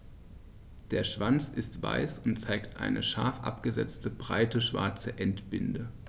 Der Schwanz ist weiß und zeigt eine scharf abgesetzte, breite schwarze Endbinde.